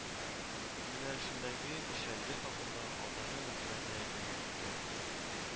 Юнәлешендәге эшчәнлек хакында алдагы мәкаләдә бәян иткән